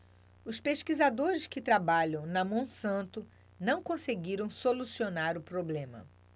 os pesquisadores que trabalham na monsanto não conseguiram solucionar o problema